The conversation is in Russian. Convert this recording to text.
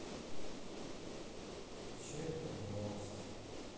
вечерние новости